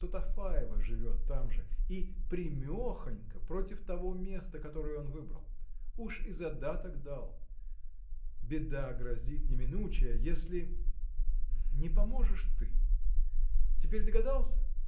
что Тафаева живет там же и прямехонько против того места которое он выбрал. Уж и задаток дал. Беда грозит неминучая, если. не поможешь ты. Теперь догадался?